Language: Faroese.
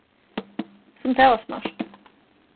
sum tað var smart